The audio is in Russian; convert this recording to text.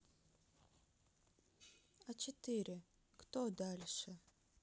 а четыре кто дольше